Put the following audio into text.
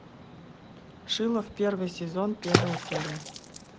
шилов первый сезон первая серия